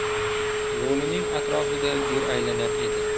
lo'lining atrofida gir aylanar edi